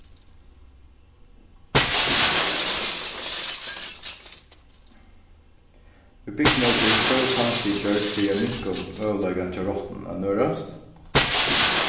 í bygdum øki eru stór framstig gjørd fyri at minka um møguleikan hjá rottunum at nørast